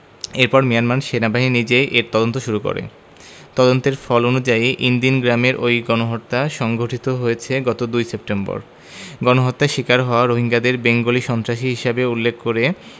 এরপর মিয়ানমার সেনাবাহিনী নিজেই এর তদন্ত শুরু করে তদন্তের ফল অনুযায়ী ইনদিন গ্রামের ওই গণহত্যা সংঘটিত হয়েছে গত ২ সেপ্টেম্বর গণহত্যার শিকার হওয়া রোহিঙ্গাদের বেঙ্গলি সন্ত্রাসী হিসেবে উল্লেখ করে